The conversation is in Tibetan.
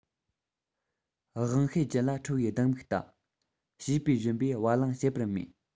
དབང ཤེད ཅན ལ ཁྲོ བའི སྡང མིག ལྟ བྱིས པའི བཞོན པའི བ གླང བྱེད པར མོས